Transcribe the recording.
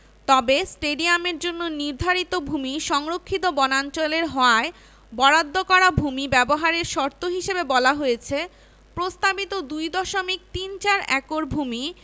তবে স্টেডিয়ামের জন্য নির্ধারিত ভূমি সংরক্ষিত বনাঞ্চলের হওয়ায় বরাদ্দ করা ভূমি ব্যবহারের শর্ত হিসেবে বলা হয়েছে প্রস্তাবিত ২ দশমিক তিন চার একর ভূমি